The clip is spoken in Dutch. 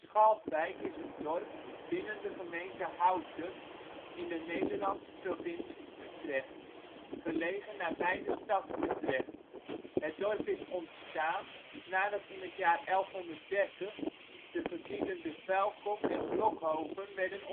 Schalkwijk is een dorp binnen de gemeente Houten, in de Nederlandse provincie Utrecht, gelegen nabij de stad Utrecht. Het dorp is ontstaan nadat in het jaar 1130 de gebieden de Vuijlcop en Blokhoven werden